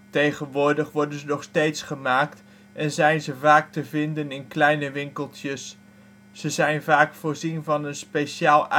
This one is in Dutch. Tegenwoordig worden ze nog steeds gemaakt en zijn ze vaak te vinden in kleine winkeltjes. Ze zijn vaak voorzien van een speciaal